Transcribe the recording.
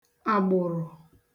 àgbụ̀rụ̀